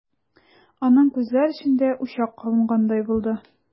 Аның күзләр эчендә учак кабынгандай булды.